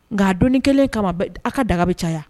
Nka a dɔni kelen kama aw ka daga bɛ caya